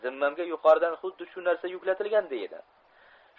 zimmamga yuqoridan xuddi shu narsa yuklatilganday edi